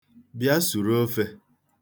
Bịa suru ofe.